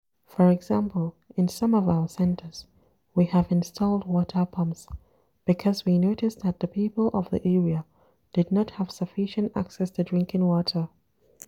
For example, in some of our centers, we have installed water pumps because we noticed that the people of the area did not have sufficient access to drinking water.